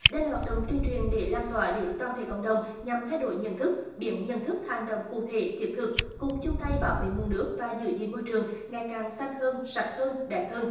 đây là hoạt động tuyên truyền để lan tỏa đến toàn thể cộng đồng nhằm thay đổi nhận thức biển nhận thức hành động cụ thể thiết thực cùng chung tay bảo vệ nguồn nước và giữ gìn môi trường ngày càng xanh hơn sạch hơn đẹp hơn